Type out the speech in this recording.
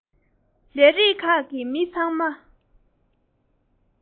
ལས རིགས ཁག གི མི ཚང མ